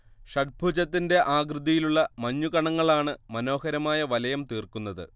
ഷഡ്ഭുജത്തിന്റെ ആകൃതിയിലുള്ള മഞ്ഞുകണങ്ങളാണ് മനോഹരമായ വലയം തീർക്കുന്നത്